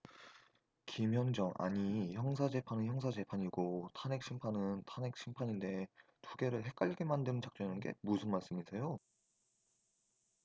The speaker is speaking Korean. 김현정 아니 형사재판은 형사재판이고 탄핵심판은 탄핵심판인데 두 개를 헷갈리게 만드는 작전이라는 게 무슨 말씀이세요